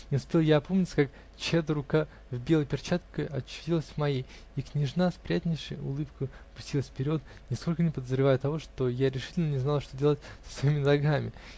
Не успел я опомниться, как чья-то рука в белой перчатке очутилась в моей, и княжна с приятнейшей улыбкой пустилась вперед, нисколько не подозревая того, что я решительно не знал, что делать с своими ногами.